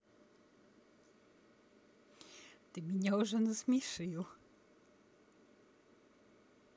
ты меня уже насмешил